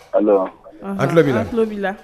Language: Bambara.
Allo an tulo b'i la